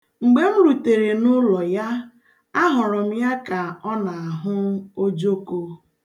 Mgbe m rutere n'ụlọ ya, a hụrụ m ya ka ọ na-ahụ ojoko.